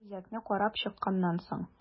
Үзәкне карап чыкканнан соң.